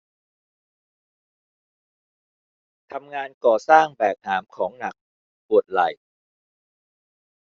ทำงานก่อสร้างแบกหามของหนักปวดไหล่